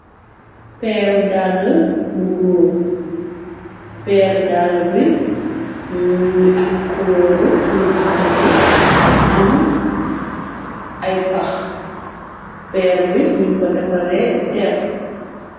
Peeru dàlla bu goor peeru dàlla bi ñu ngi am kolooru sungu ci bukki am ay pax peer bi ñuñ ko defaree der.